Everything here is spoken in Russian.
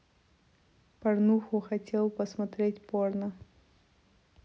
порнуху хотел посмотреть порно